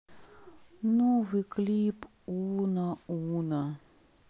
новый клип уно уно